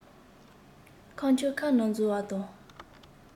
ཁམ ཆུ ཁ ནང འཛུལ བ དང